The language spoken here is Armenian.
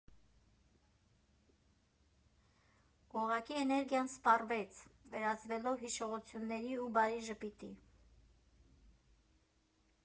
Ուղղակի էներգիան սպառվեց՝ վերածվելով հիշողությունների ու բարի ժպիտի։